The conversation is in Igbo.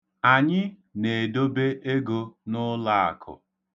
Anyị na-edobe ego n'ụlaakụ.